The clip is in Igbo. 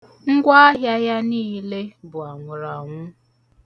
Ngwa ahịa ya niile bụ anwụraanwụ.